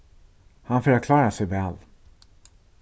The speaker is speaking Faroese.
hann fer at klára seg væl